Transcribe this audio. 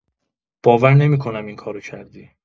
باور نمی‌کنم این کارو کردی